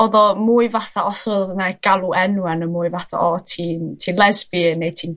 odd o mwy fatha os odd yna galw enwe ne' mwy fatho o tî'n ti'n lesbian ne' ti'n